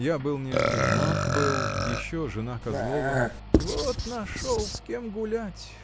— Я был не один: Марк был, еще жена Козлова. — Вот нашел с кем гулять!